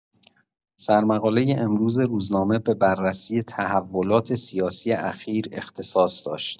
سرمقاله امروز روزنامه به بررسی تحولات سیاسی اخیر اختصاص داشت.